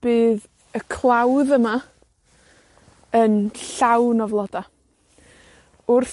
bydd y clawdd yma yn llawn o floda. Wrth